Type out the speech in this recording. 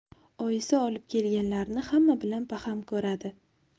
oyisi olib kelganlarni hamma bilan baham ko'radi